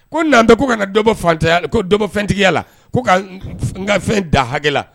Ko n'an tɛ ko ka kabɔtanya kobɔ fɛntigiya la ko ka n ka fɛn da hakɛla